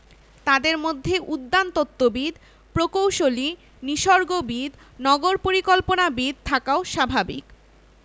তাদের মধ্যে উদ্যানতত্ত্ববিদ প্রকৌশলী নিসর্গবিদ নগর পরিকল্পনাবিদ থাকাও স্বাভাবিক